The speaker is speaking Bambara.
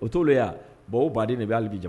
O t' olu ye bon o baden de bɛ halibi jan